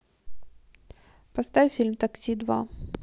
поставь фильм такси два